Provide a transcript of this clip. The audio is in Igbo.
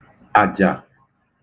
àjà